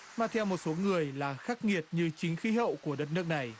mà theo một số người là khắc nghiệt như chính khí hậu của đất nước này